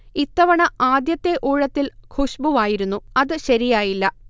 ഇത്തവണ ആദ്യത്തെ ഊഴത്തിൽ ഖുശ്ബുവായിരുന്നു. അത് ശരിയായില്ല